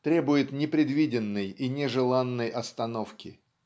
требует непредвиденной и нежеланной остановки.